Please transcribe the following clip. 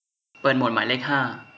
เปิดโหมดหมายเลขห้า